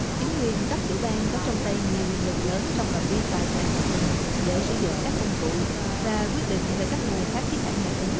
chính quyền cấp tiểu bang có trong tay nhiều quyền lực lớn trong phạm vi tài phán của mình để sử dụng các công cụ và quyết định về các nguồn phát khí thải nhà kính